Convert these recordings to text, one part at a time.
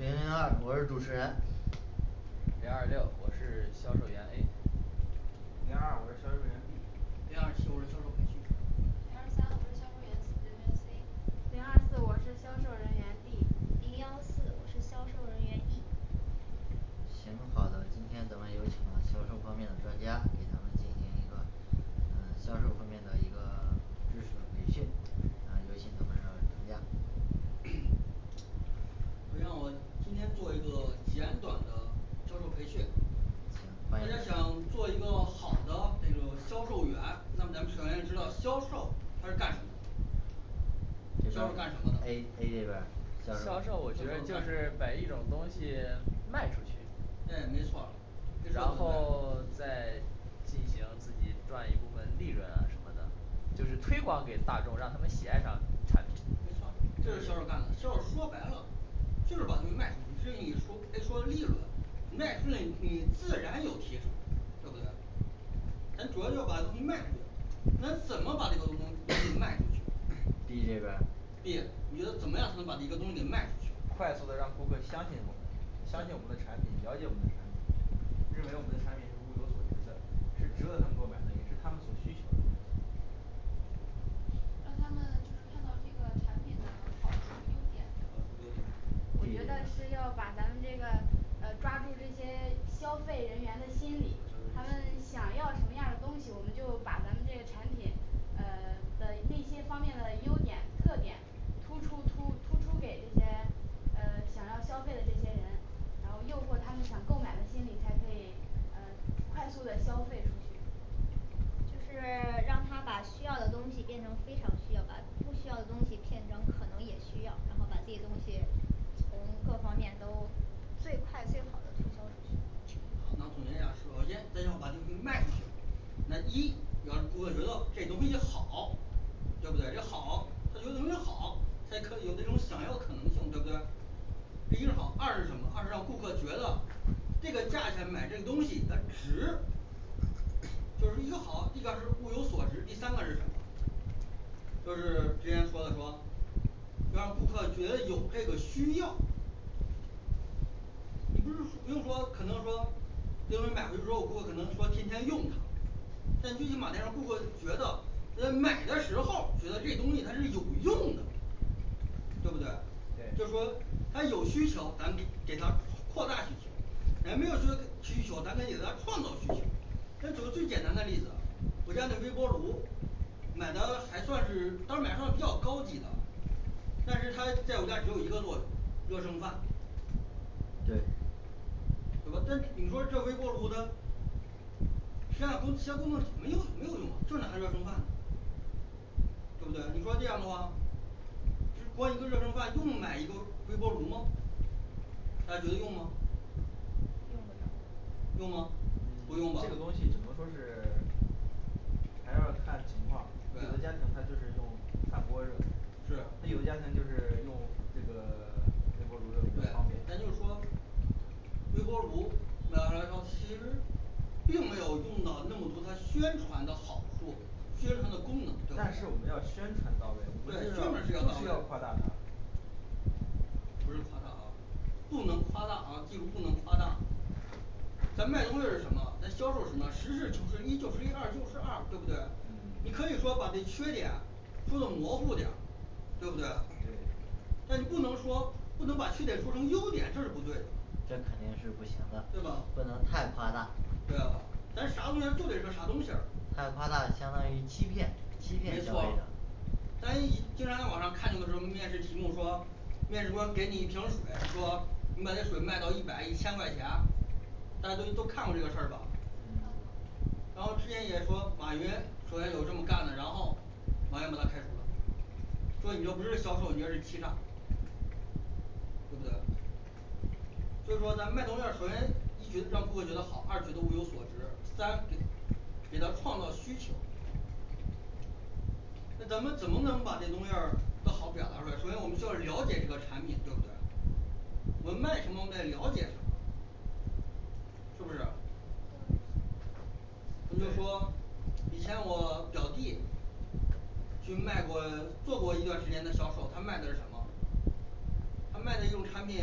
零零二我是主持人零二六我是销售员A 零二二我是销售员B 零二七我是销售培训零二三我是销售人人员C 零二四我是销售人员D 零幺四我是销售人员E 行好的今天咱们有请销售方面的专家给咱们进行一个嗯销售方面的一个知识和培训那有请咱们专家 围绕我们今天做一个简短的销售培训嗯嗯大欢家想迎做一个好的这种销售员那么咱们首先要知道销售它是干什么的销售干什这么个的销售干什么 A A这边儿销销售售我觉得就是把一种东西卖出去哎没错就是然我们后再进行自己赚一部分利润啊什么的就是推广给大众让他们喜爱上产品没错这就是销售干的销售说白了就是把东西卖出去就是你说哎说的利润卖出去你自然有提成对不对咱主要就是把东西卖出去咱怎么把这个东东西卖出去 B这边儿 B你觉得怎么样才能把这个东西给卖出去快速地让顾客相信我们相信我们的产品了解我们的产品认为我们产品是物有所值的是值的他们购买的也是他们所需求的让他们就是看到这个产品的好处优点优点我 D 觉得这边儿是要把咱们这个呃抓住这些消费人员的心理他消们费心理想要什么样儿的东西我们就把咱们这产品呃的那些方面的优点特点突出突突出给这些呃想要消费的这些人然后诱惑他们想购买的心理才可以嗯快速地消费出去就是 让他把需要的东西变成非常需要把不需要的东西变成可能也需要然后把这东西从各方面都最快最好的推销出去那我总结下首先咱要把这东西卖出去，那一要我觉得这东西好，对不对？这好他觉得东西好才可有这种想要可能性对不对？这一好二是什么？二是让顾客觉得这个价钱买这个东西它值就是一个好，一个是物有所值，第三个是什么就是之前说的说让顾客觉得有这个需要你不是不用说可能说给我们买回去之后，我不可能说天天用它但最起码得让顾客觉得他在买的时候觉得这东西它是有用的对不对？就对是说他有需求，咱们给他扩大需求人家没有说需求，咱们得给他创造需求。咱举个最简单的例子啊，我家的微波炉买的还算是当时买算比较高级的但是它在我家只有一个作用热剩饭对怎么但你说这微波炉它其他工其他工作是没有没有用就拿它热剩饭对不对？你说这样的话，就光一个热剩饭用买一个微波炉吗大家觉得用吗用不着用吗不用嗯吧这个东西只能说是 还要看情况，有的家庭他就是用饭锅热对是。他有的家庭就是用这个微波炉热比对较方便，但就是说微波炉买回来后其实并没有用到那么多它宣传的好处，宣传的功能对不但是我对们要宣传到位，我们对就宣传是是要到就是要位夸大它不是夸大啊不能夸大啊记住不能夸大咱卖东西儿是什么？咱销售什么，实事求是，一就是一二就是二，对不对？你嗯可以说把这缺点说的模糊点儿，对不对对但你不能说不能把缺点说成优点，这是不对的这肯定是不行的，对吧不能太夸大对啊咱啥东西儿就得说啥东西儿他夸大相当于欺骗欺没骗消费错者咱一经常在网上看到的时候，面试题目说面试官给你一瓶水，说你把这水卖到一百一千块钱，大家都都看过这个事儿吧看嗯过然后之前也说马云说哎有这么干的，然后马云把他开除了，说你这不是销售，你这是欺诈对不对所以说咱们卖东西儿，首先一觉让顾客觉得好，二觉得物有所值，三给给它创造需求那咱们怎么能把这东西儿更好表达出来，首先我们需要了解这个产品对不对我们卖什么我们得了解什么是不是嗯咱就说以前我表弟对去卖过做过一段时间的销售，他卖的是什么他卖的一种产品，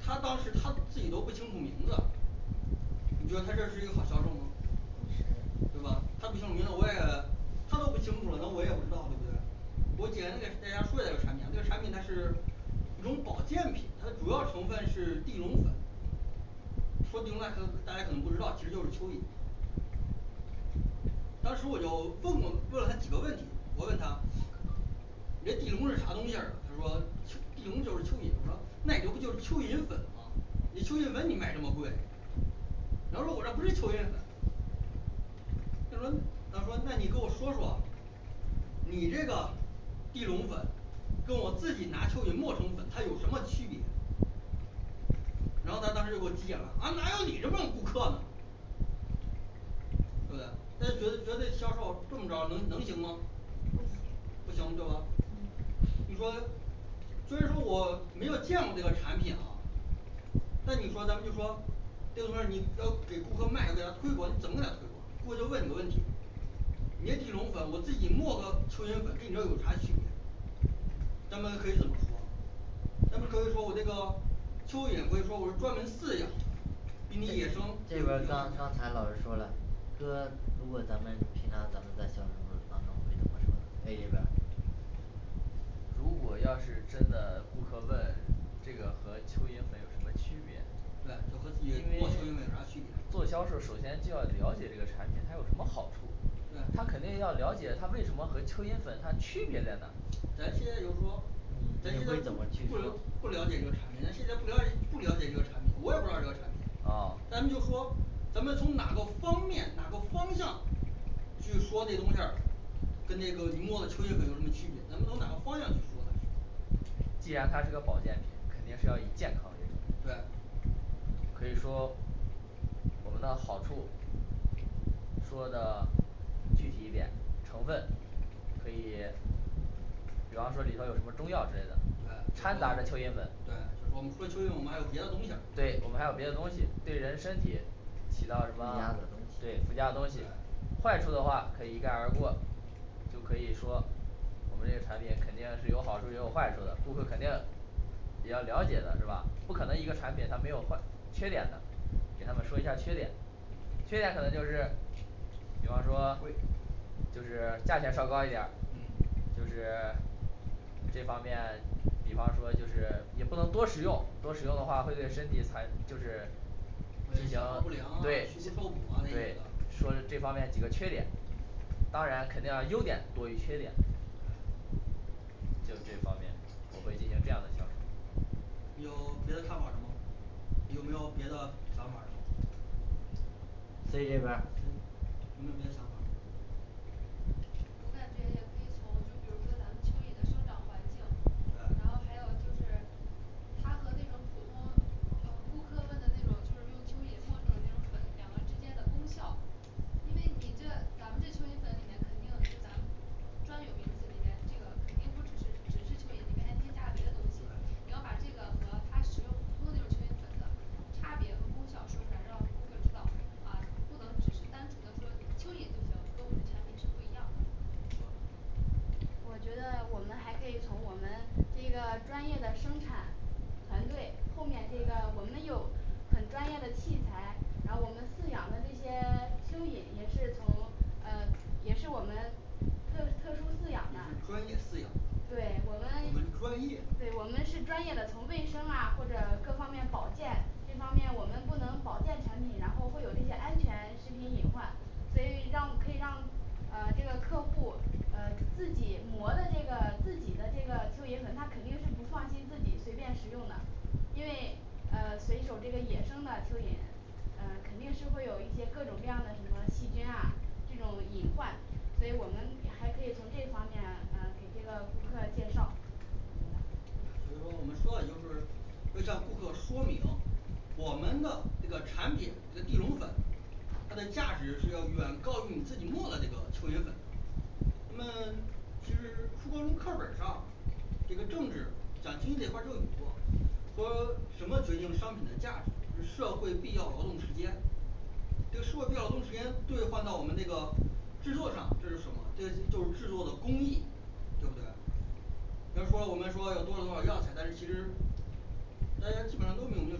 他当时他自己都不清楚名字你觉得他这是一个好销售吗？不是对吧？他不清楚那我也他都不清楚了，那我也不知道对不对我简单的给大家说一下产品啊，这个产品它是一种保健品，它的主要成分是地龙粉说地曼城大家可能不知道，其实就是蚯蚓。当时我就问过问了他几个问题我问他你这地龙是啥东西儿？他说蚯地龙就是蚯蚓什么，那个不就是蚯蚓粉吗？你蚯蚓粉你卖这么贵，然后说我这不是蚯蚓粉他说然后说那你跟我说说你这个地龙粉跟我自己拿蚯蚓磨成粉它有什么区别然后他当时就跟我急眼了啊哪有你这么顾客呢对不对？大家觉得觉得销售这么着能能行吗？不行不行对吧嗯你说虽然说我没有见过这个产品啊那你说咱们就说这个东西儿你要给顾客卖给他推广你怎么给他推广，我就问你个问题，你这地龙粉我自己磨得蚯蚓粉跟你这有啥区别咱们可以怎么说啊咱们可以说我这个蚯蚓我也说我是专门饲养的跟野生这边儿刚刚才老师说了说如果咱们平常咱们在销售当中会怎么说呢A这边儿如果要是真的顾客问这个和蚯蚓粉有什么区别对就和，自因己为磨蚯蚓粉有啥区别做销售首先就要了解这个产品它有什么好处，他肯定要了解他为什么和蚯蚓粉它区别在哪儿。咱现在就是说你咱你现在会怎不么去说不了解这个产品，咱现在不了解不了解这个产品，我也不知道这个产品啊，咱们就说咱们从哪个方面哪个方向就是说这东西儿跟那个你磨得蚯蚓粉有什么区别咱们往哪个方向去说既然它是个保健品，肯定是要以健康为主，对可以说我们的好处说的具体一点成分可以比方说里头有什么中药之类的，对掺杂着蚯蚓粉对就是说，对我们除了蚯蚓，我我们们还还有有别别的东西的东西，对人身体起到什附加么的东西对附加的东西，坏处的话可以一概而过就可以说我们这个产品肯定是有好处也有坏处的，顾客肯定也要了解的是吧？不可能一个产品它没有坏缺点的，给他们说一下缺点，缺点可能就是比方说贵就是价钱稍高一点儿嗯，就是这方面比方说就是也不能多食用，多食用的话会对身体才就是嗯不良啊对虚不受补啊这种对的说这方面几个缺点，当然肯定要优点多于缺点，就这方面我会进行这样的销售有别的看法儿的吗有没有别的想法儿的 C这边儿就有没有别的想法我感觉也可以从就比如说咱们蚯蚓的生长环境对，然后还有就是它和那种普通嗯顾客问的那种就是用蚯蚓磨成那种粉两个之间的功效因为你这咱们这蚯蚓粉里面肯定就咱们专有名字里面，这个肯定不只是只是蚯蚓它还添加了别的东西，你要把这个和他使用普通的那种蚯蚓粉的差别和功效说出来，让顾客知道啊不能只是单纯的说蚯蚓就行，跟我们的产品是不一样的我觉得我们还可以从我们这个专业的生产团队后面这个我们有很专业的器材，然后我们饲养的那些蚯蚓也是从呃也是我们特特殊饲养也的是专业饲养的对我我们们专业对的我们是专业的从卫生啊或者各方面保健这方面，我们不能保健产品，然后会有这些安全食品隐患所以让可以让呃这个客户呃自己磨的这个自己的这个蚯蚓粉，他肯定是不放心自己随便食用的。因为呃随手这个野生的蚯蚓呃肯定是会有一些各种各样的什么细菌啊这种隐患，所以我们还可以从这方面呃给这个顾客介绍我没了所以说我们说的就是要向顾客说明，我们的这个产品这个地龙粉它的价值是要远高于你自己磨的这个蚯蚓粉。我们其实初中课本儿上这个政治讲经济这块儿就有过，说什么决定商品的价值，是社会必要劳动时间这个社会必要劳动时间兑换到我们那个制作上，这是什么？这就是制作的工艺，对不对？要说我们说要多的话药材，但是其实大家基本上都明白，就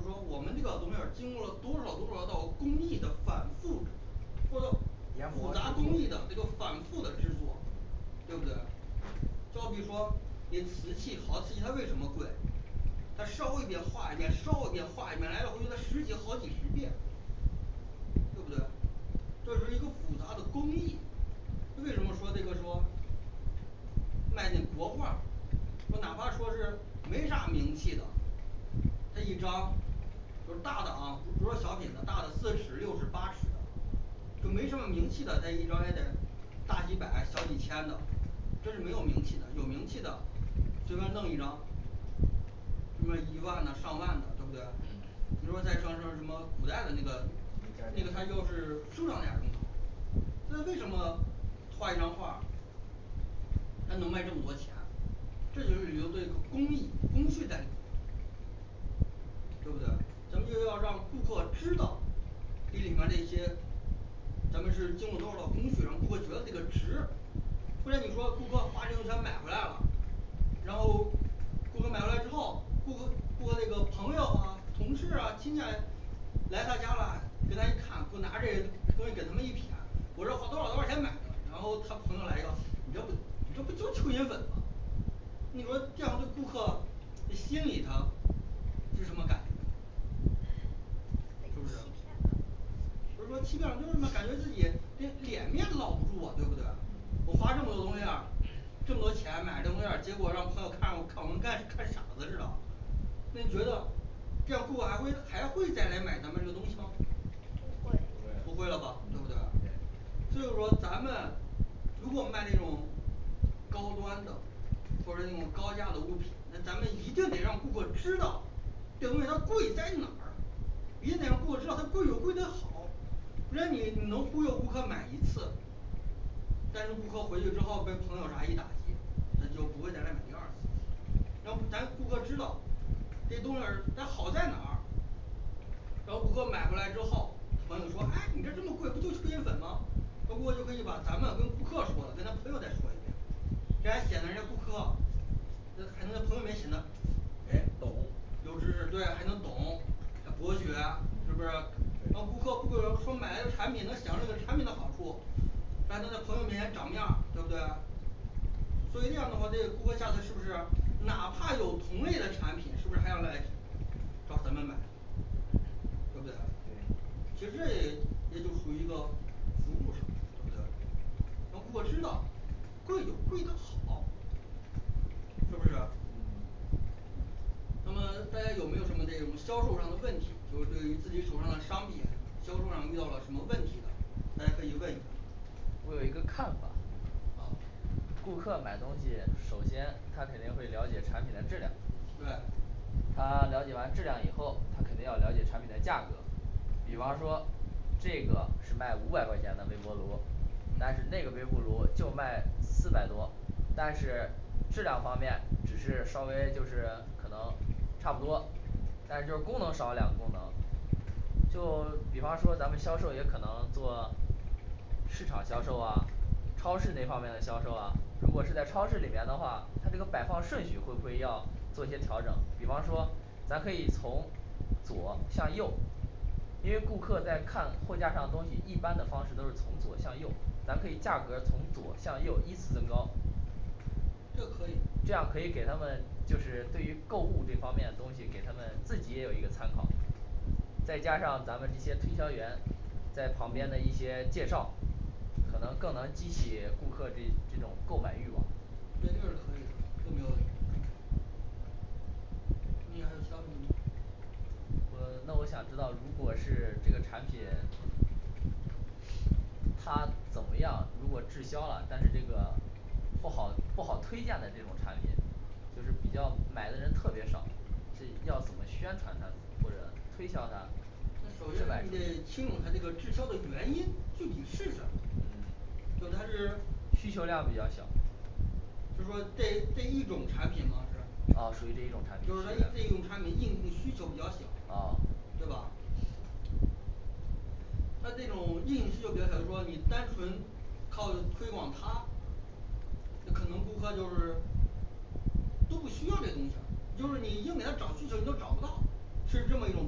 是说我们这个东西儿经过了多少多少道工艺的反复，研磨复杂工制艺作的这个反复的制作嗯对不对？就比如说你瓷器好，瓷器它为什么贵？它烧一遍化一遍，烧一遍化一遍，来来回回工作十几好几十遍对不对这是一个复杂的工艺。那为什么说这个说卖的国画儿，我哪怕说是没啥名气的，这一张就是大的啊不是小品的，大的四十六十八十的，就没什么名气的，它一张也得大几百小几千的这是没有名气的，有名气的，随便弄一张什么一万了上万的对不对嗯比如说在什么什么古代的那个，那个他就是价更高，那为什么？画一张画儿他能卖这么多钱，这就是旅游对工艺工具在里面对不对？咱们就要让顾客知道这里面的一些咱们是经过多少道工序让顾客觉得这个值，或者你说顾客花这个钱买回来了然后顾客买回来之后，顾客顾客那个朋友啊同事啊听起来，来他家啦，给他一看，我拿这东东西给他们一撇，我说花多少多少钱买的，然后他朋友来一个你这不你这不就蚯蚓粉吗你说这样对顾客这心里他是什么感觉？是不是被欺骗了不性质是说欺骗了就是感觉自己这脸面落不住啊，对不对嗯？我花这么多东西儿，这么多钱买这东西儿，结果让朋友看我看我看看傻子似的你觉得这样顾客还会还会再来买咱们这个东西吗不会？不会了吧嗯对不对对？所以说咱们如果卖那种高端的或者用高价的物品，那咱们一定得让顾客知道这东西它贵在哪儿你得让顾客知道它贵有贵的好，那你你能忽悠顾客买一次但是顾客回去之后被朋友啥一打击，他就不会再来买第二次。 要不咱顾客知道这东西儿它好在哪儿然后顾客买回来之后，朋友说唉你这这么贵不就是蚯蚓粉吗？呃顾客就可以把咱们跟顾客说的，跟他朋友再说一遍，这还显得人家顾客呃还能回回显的人家懂有知识对呀还能懂还博学呀是不是嗯让对顾客不可能说买的产品能享受这个产品的好处，还能在朋友面前长面儿对不对所以那样的话这个顾客下次是不是哪怕有同类的产品，是不是还要来找咱们买对不对啊&对&其实这也也就属于一个服务上，是不是？ 我知道贵有贵的好是不是&嗯&那么大家有没有什么那种销售上的问题，就是对于自己手上的商品销售上遇到了什么问题的？大家可以问一下。我有一个看法啊顾客买东西，首先他肯定会了解产品的质量，对他了解完质量以后，他肯定要了解产品的价格。比方说这个是卖五百块钱的微波炉，但是那个微波炉就卖四百多，但是质量方面只是稍微就是可能差不多，但是功能就是少了两个功能就比方说咱们销售也可能做市场销售啊超市那方面的销售啊，如果是在超市里面的话，他这个摆放顺序会不会要做一些调整，比方说咱可以从左向右因为顾客在看货架上的东西，一般的方式都是从左向右，咱可以价格儿从左向右依次增高这个可以这样可以给他们就是对于购物这方面的东西给他们自己也有一个参考再加上咱们这些推销员在旁边的一些介绍，可能更能激起顾客这这种购买欲望。对这个是可以的，这个没有问题你还有其他问题吗？我那我想知道如果是这个产品它怎么样如果滞销了，但是这个不好不好推荐的这种产品就是比较买的人特别少是要怎么宣传它或者推销它那首先你得清楚他这个滞销的原因具体是什么，嗯就他是需求量比较小就是说这这一种产品吗是啊属于这一种产品是需就求是说量这一种产品应用需求比较小，哦对吧它这种运营需求比较小，就是说你单纯靠推广它，这可能顾客就是都不需要这东西儿，就是你硬给他找需求你都找不到，是这么一种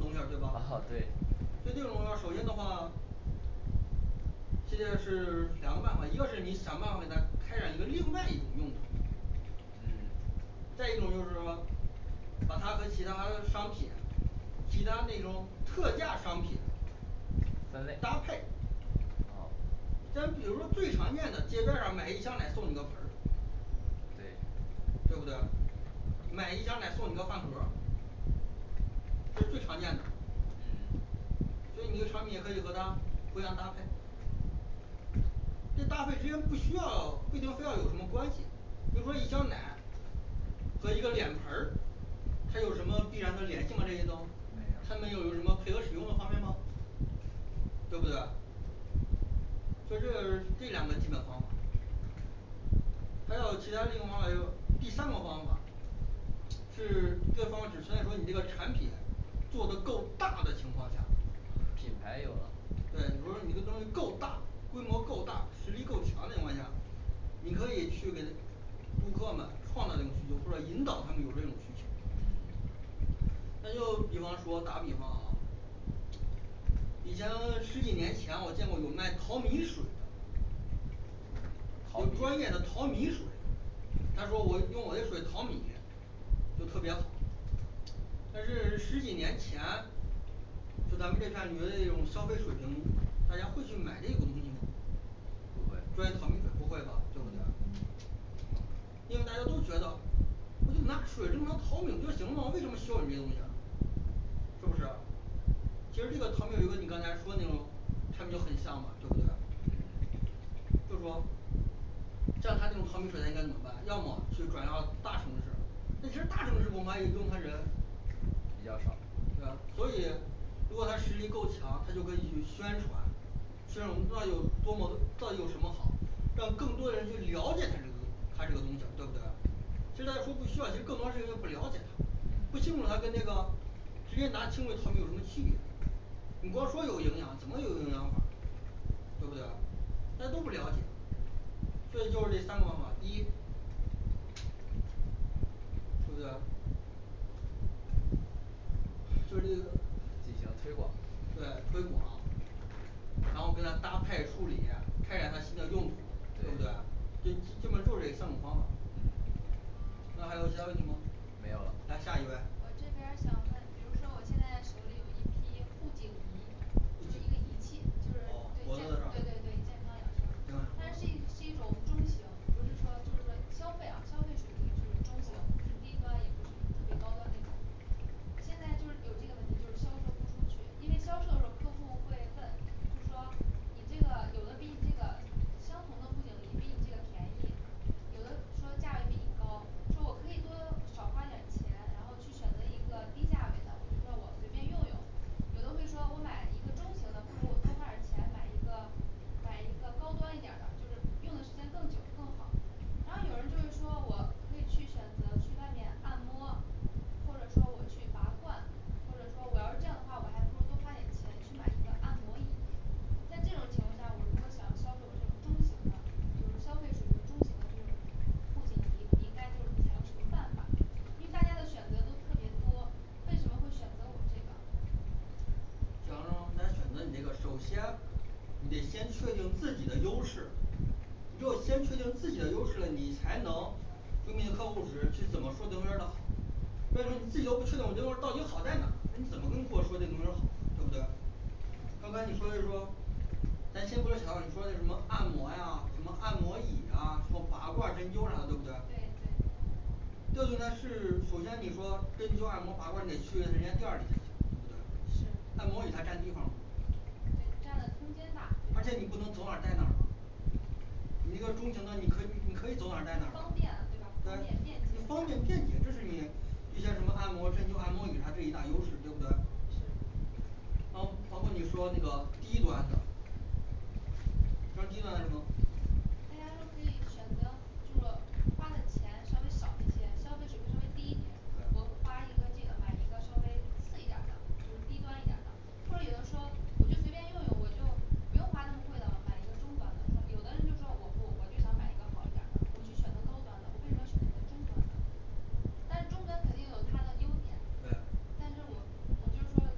东西儿嗯 对吧对？那这种东西儿首先的话现在是两个办法，一个是你想办法给它开展一个另外一种用途嗯再一种就是说把它跟其他商品，其他那种特价商品分类搭配咱比如说最常见的街摊儿上买一箱奶来送你个盆儿，对对不对？ 买一箱奶送你个饭盒儿这是最常见的嗯所以你的产品也可以和它互相搭配这搭配之间不需要不一定非要有什么关系。比如说一箱奶和一个脸盆儿他有什么必然的联系吗这个都？他没有们有什么配合使用的方面吗对不对所以这这两个基本方法还有其他另一种方法就第三种方法，是这个方式，虽然说你这个产品做的够大的情况下品牌有了对你说你的东西够大，规模够大，实力够强的情况下，你可以去跟顾客们创造这种需求，或者引导他们有这种需求。嗯那就比方说打比方啊以前十几年前我见过有卖淘米水的淘有专米业的淘米水，他说我用我的水淘米，就特别好但是十几年前，就咱们这看你们这种消费水平，大家会去买这个东西吗不会淘米水不会吧嗯嗯因为大家都觉得不就拿水这么着淘米不就行了吗为什么需要你这东西儿啊是不是其实这个淘米的问题你刚才说那种产品就很像嘛对不对嗯就说这样他那种淘米水的应该怎么办？要么是转到大城市，那是大城市恐怕也不用他人比较少对吧所以如果他实力够强他就可以去宣传虽然我们不知道有多么到底有什么好，让更多的人去了解他这个东他这个东西儿对不对？其实大家说不需要，其实更多是因为不了解它嗯，不清楚它跟这个直接拿清水淘米有什么区别你光说有营养怎么有营养法儿？对不对？大家都不了解所以就是这三个方法。 一对不对就是这个进行推广对推广然后给它搭配处理，开展它新的用途，对不对对？基本就这三种方法。那还有其他问题吗没有了来下一位我这边儿想问，比如说我现在手里有一批护颈仪，就是一个仪器就是哦脖子这对对儿对健康养生，但是一是一种中型，不是说就是说消费啊消费水平就是中端，不是低端，也不是特别高的那种我现在就是有这个问题就是销售不出去，因为销售的时候客户会问，就是说你这个有的比你这个相同的护颈仪比你这个便宜，有的说价格比你高，说我可以多少花点钱，然后去选择一个低价位的，我就说我随便用用，有的会说我买一个中型的，不如我多花点儿钱，买一个买一个高端一点儿的，就是用的时间更久更好然后有人就是说我可以去选择去外面按摩或者说我去拔罐，或者说我要是这样的话，我还不如多花点钱去买一个按摩椅。在这种情况下，我如果想要销售这种中型的就是消费水平中型的这种护颈仪我应该就采用什么办法，因为大家的选择都特别多，为什么会选择我这个假如说他选择你这个，首先你得先确定自己的优势你只有先确定自己的优势了，你才能根据客户儿指示去怎么说东西儿呢但是你自己都不确定我这东西儿到底好在哪儿，那你怎么跟顾客说这东西儿好，对不对刚才你说是说咱先不说瞧你说的什么按摩呀，什么按摩椅啊或拔罐儿针灸啥的对不对对对调动的事，首先你说针灸按摩拔罐儿得去人家店儿里，对不对是按摩椅还占地方不？对占得空间大而且你不能走哪儿带哪儿吧你那个中型的你可以你可以走哪带哪儿方了，便对吧对方便便捷是方便便捷，这是你这些什么按摩针灸按摩椅上这一大优势，对不对还有包括你说那个低端的低端什么大家都可以选择就是嗯花的钱稍微少一些，消费水平稍微低一些，我花一个这个买一个稍微次一点儿的就是低端一点儿的或者有人说我就随便用用，我就不用花那么贵的了，买一个中端的，有的人就说我我就想买一个好一点儿的，我就选择高端的，我为什么选择这个中端的但中端肯定有它的优点对，但是我我就是说